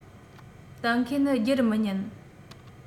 གཏན འཁེལ ནི སྒྱུར མི ཉན